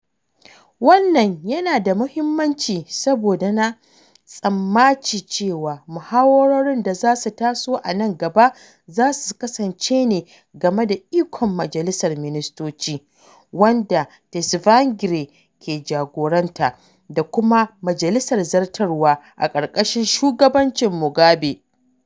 Wannan yana da muhimmanci, saboda na tsammaci cewa muhawarorin da za su taso a nan gaba za su kasance ne game da ikon Majalisar Ministoci, wanda Tsvangirai ke jagoranta, da kuma Majalisar Zartarwa, a ƙarƙashin shugabancin Mugabe.